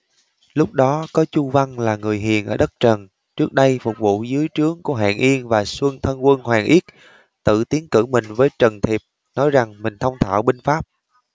lúc đó có chu văn là người hiền ở đất trần trước đây phục vụ dưới trướng của hạng yên và xuân thân quân hoàng yết tự tiến cử mình với trần thiệp nói rằng mình thông thạo binh pháp